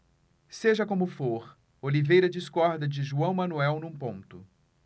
seja como for oliveira discorda de joão manuel num ponto